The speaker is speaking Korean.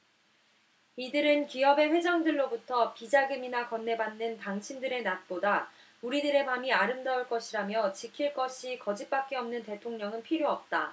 이들은 기업의 회장들로부터 비자금이나 건네받는 당신들의 낮보다 우리들의 밤이 아름다울 것이라며 지킬 것이 거짓밖에 없는 대통령은 필요 없다